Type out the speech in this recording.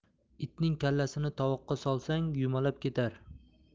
itning kallasini tovoqqa solsang yumalab ketar